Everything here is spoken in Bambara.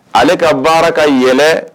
Ale ka baara kayɛnɛ